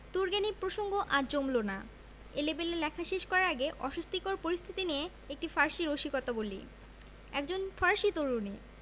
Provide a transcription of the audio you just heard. Turgenev প্রসঙ্গ আর জমল না এলেবেলে লেখা শেষ করার আগে অস্বস্তিকর পরিস্থিতি নিয়ে একটি ফারসি রসিকতা বলি একজন ফরাসি তরুণী